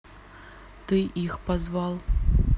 ты их позвал